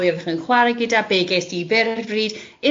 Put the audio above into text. pwy oeddach chi'n chwarae gyda, be ges di,